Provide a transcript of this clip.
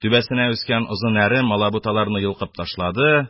Түбәсенә үскән озын әрем, алабуталарны йолкып ташлады,